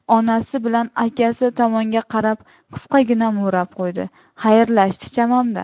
onasi bilan akasi tomonga qarab qisqagina marab qo'ydi xayrlashdi chamamda